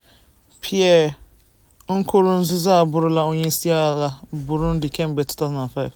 Pierre Nkurunziza abụrụla onyeisiala Burundi kemgbe 2005.